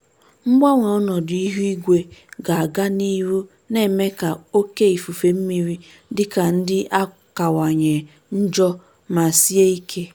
Mgbanwe ọnọdụ ihu igwe ga-aga n'ihu na-eme ka oke ifufe mmiri dịka ndị a kawanye njọ ma sie ike.